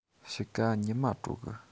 དཔྱིད ཀ ཉི མོ དྲོ གི